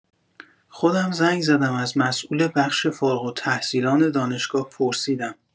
خودم زنگ زدم از مسئول بخش فارغ التحصیلان دانشگاه پرسیدم.